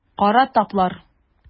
Кара таплар.